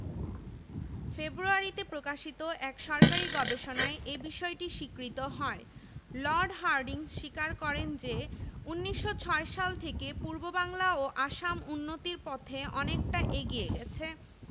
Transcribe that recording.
লন্ডনে পররাষ্ট্র মন্ত্রণালয়ের অনুমোদন লাভের পর ভারত সরকার ১৯২১ সালের ৪ এপ্রিল এক পত্রের মাধ্যমে বাংলা সরকারকে ঢাকায় বিশ্ববিদ্যালয় প্রতিষ্ঠা সংক্রান্ত